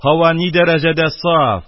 Һава ни дәрәҗәдә саф,